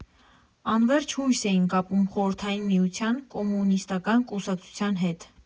Անվերջ հույս էին կապում Խորհրդային Միության, Կոմունիստական կուսակցության հետ։